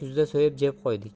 edi kuzda so'yib jeb qo'ydik